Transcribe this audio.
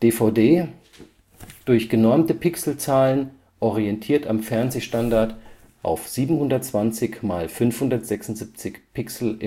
DVD: durch genormte Pixelzahlen (orientiert am Fernsehstandard) auf 720 × 576 Pixel